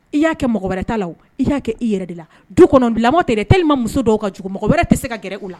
I y'a kɛ mɔgɔ wɛrɛ ta la wo, i y'a kɛ i yɛrɛ de la du kɔnɔ tɛ dɛ tellementque muso dɔw ka jugu mɔgɔ wɛrɛ tɛ se ka gɛrɛ u la